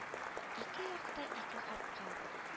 Ике якта ике капка